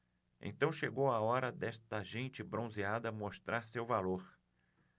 então chegou a hora desta gente bronzeada mostrar seu valor